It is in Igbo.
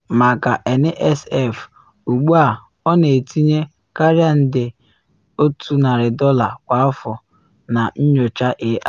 Maka NSF, ugbu a ọ na etinye karịa nde $100 kwa afọ na nyocha AI.